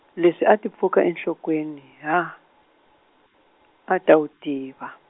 leswi a ti pfuka enhlokweni ha a, a ta wu tiva.